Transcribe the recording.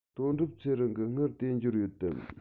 དོན གྲུབ ཚེ རིང གི དངུལ དེ འབྱོར ཡོད དམ